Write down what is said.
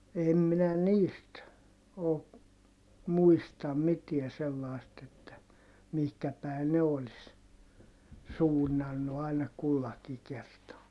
en minä niistä ole muista mitään sellaista että mihin päin ne olisi suunnannut aina kullakin kertaa